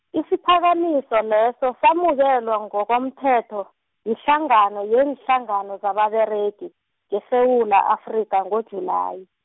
isiphakamiso leso, samukelwa ngokomthetho, yihlangano yeenhlangano zababeregi, ngeSewula Afrika, ngoJulayi.